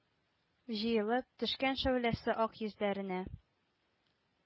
Җыелып, төшкән шәүләсе ак йөзләренә.